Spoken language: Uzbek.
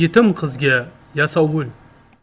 yetim qizga yasovul